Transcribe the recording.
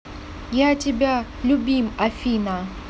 мы тебя любим афина